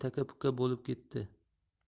taka puka bo'lib ketdi